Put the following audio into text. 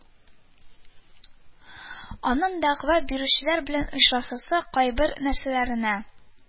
Аның дәгъва бирүчеләр белән очрашасы, кайбер нәрсәләрне